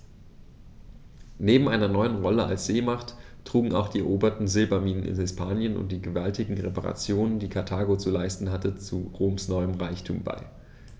Neben seiner neuen Rolle als Seemacht trugen auch die eroberten Silberminen in Hispanien und die gewaltigen Reparationen, die Karthago zu leisten hatte, zu Roms neuem Reichtum bei.